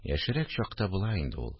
Бабай аның сүзенә артык кушылмады